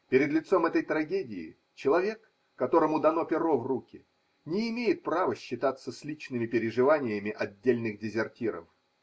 Перед лицом этой трагедии человек, которому дано перо в руки, не имеет права считаться с личными переживаниями отдельных дезертиров.